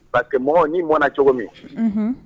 Parceque mɔgɔ ni mɔnna cogo min. Unhun